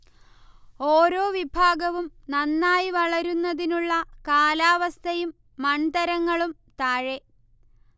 ഓരോ വിഭാഗവും നന്നായി വളരുന്നതിനുള്ള കാലാവസ്ഥയും മൺതരങ്ങളും താഴെ